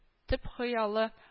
Төп хыялы